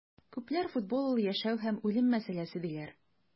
Күпләр футбол - ул яшәү һәм үлем мәсьәләсе, диләр.